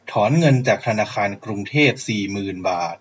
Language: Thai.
ถอนเงินจากธนาคารกรุงเทพสี่หมื่นบาท